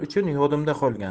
uchun yodimda qolgan